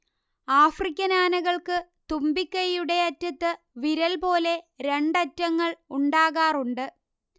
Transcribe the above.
African ആനകൾക്ക് തുമ്പിക്കൈയുടെ അറ്റത്ത് വിരൽ പോലെ രണ്ട് അറ്റങ്ങൾ ഉണ്ടാകാറുണ്ട്